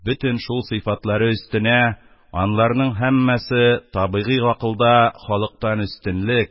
Бөтен шул сыйфатлары өстенә анларның һәммәсе табигый гакылда халыктан өстенлек